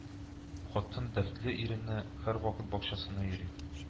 Хатын дәртле иренә һәрвакыт бакчасына йөри